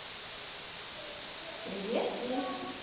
привет весь